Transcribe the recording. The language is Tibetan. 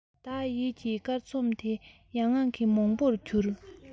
བདག ཡིད ཀྱི སྐར ཚོམ དེ ཡང ངང གིས མོག པོར གྱུར